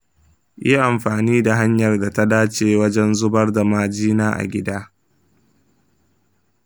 yi amfani da hanyar da ta dace wajen zubar da majina a gida.